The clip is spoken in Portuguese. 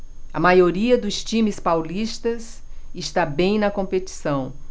a maioria dos times paulistas está bem na competição